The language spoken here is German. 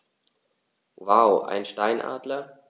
Wow! Einen Steinadler?